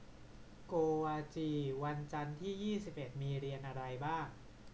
โกวาจีวันจันทร์ที่ยี่สิบเอ็ดมีเรียนอะไรบ้าง